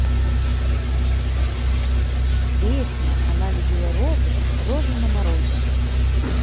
песня она любила розы розы на морозе